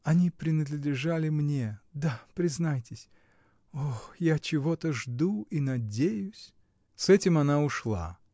они принадлежали мне, да, признайтесь? О, я чего-то жду и надеюсь. С этим она ушла.